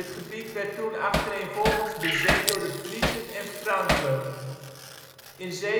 gebied werd toen achtereenvolgens bezet door de Friezen en Franken. In 732